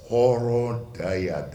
Hɔrɔn ta y'a dɔn